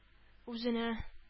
Үзенә